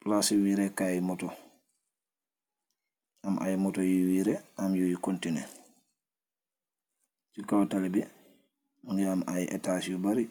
Palasi wereh kai moto aam ay moto yoi wereh aam yoi contineh si kaw taalibi mogi aam ay etash yu bari